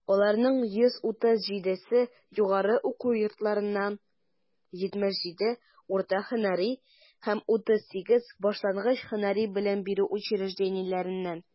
Аларның 137 се - югары уку йортларыннан, 77 - урта һөнәри һәм 38 башлангыч һөнәри белем бирү учреждениеләреннән.